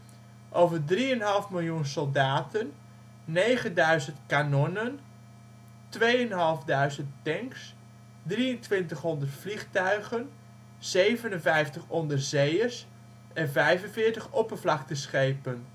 over 3,5 miljoen soldaten, 9.000 kanonnen, 2.500 tanks, 2.300 vliegtuigen, 57 onderzeeërs en 45 oppervlakteschepen